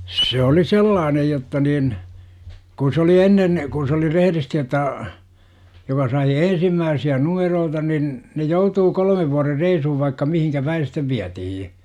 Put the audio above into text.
se oli sellainen jotta niin kun se oli ennen kun se oli rehdisti ottaa joka sai ensimmäisiä numeroita niin ne joutui kolmen vuoden reissuun vaikka mihin päin sitten vietiin